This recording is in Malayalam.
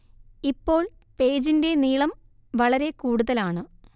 ഇപ്പോൾ പേജിന്റെ നീളം വളരെ കൂടുതൽ ആണ്